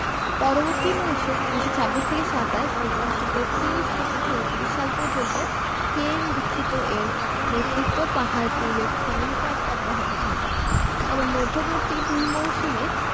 পরবর্তী মৌসুম ১৯২৬ ২৭ থেকে ১৯৩৩ ৩৪ সাল পর্যন্ত কে.এন দীক্ষিত এর নেতৃত্বে পাহাড়পুরে খনন কাজ অব্যাহত থাকে তবে মধ্যবর্তী দুই মৌসুমে